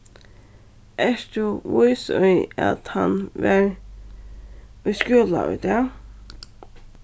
ert tú vís í at hann var í skúla í dag